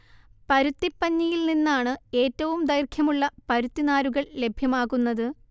പരുത്തിപ്പഞ്ഞിയിൽ നിന്നാണ് ഏറ്റവും ദൈർഘ്യമുളള പരുത്തി നാരുകൾ ലഭ്യമാകുന്നത്